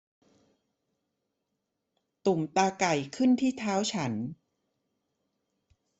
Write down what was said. ตุ่มตาไก่ขึ้นที่เท้าฉัน